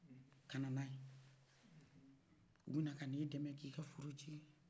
kana n'aye u bena kana i demɛ ka i foro cɛ